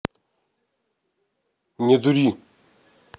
не дури